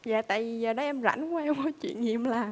dạ tại vì giờ đó em rảnh quá em không có chuyện gì em làm